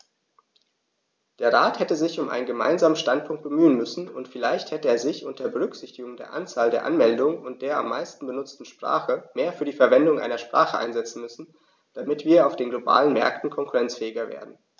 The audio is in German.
Der Rat hätte sich um einen gemeinsamen Standpunkt bemühen müssen, und vielleicht hätte er sich, unter Berücksichtigung der Anzahl der Anmeldungen und der am meisten benutzten Sprache, mehr für die Verwendung einer Sprache einsetzen müssen, damit wir auf den globalen Märkten konkurrenzfähiger werden.